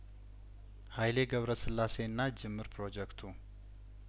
ሀይሌ ገብረስላሴና ጅምር ፕሮጀክቱ